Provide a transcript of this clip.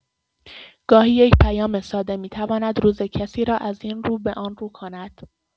گاهی یک پیام ساده می‌تواند روز کسی را از این رو به آن رو کند.